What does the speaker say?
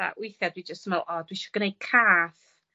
A withia dwi jyst yn me'wl o dwi isio gneud cath